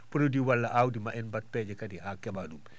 produit walla aawdi ma en mbat peeje kadi haa keɓa ɗum